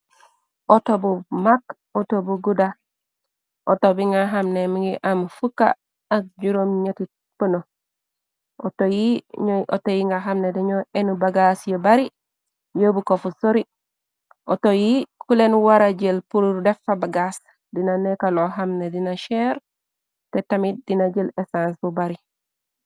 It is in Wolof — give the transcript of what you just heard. Auto bu macg auto bu guddha auto bi nga xamne mingi am fukka ak juróom ñeti pëno atoy ñooy auto yi nga xamne dañoo enu bagaas yi bari yebu kofu sori auto yi kuleen wara jël purur defa bagaas dina nekkaloo xamne dina cheer te tamit dina jël essence bu bari.